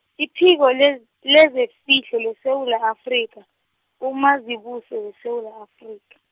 iphiko lez- lezefihlo leSewula Afrika, uMazibuse weSewula Afrika.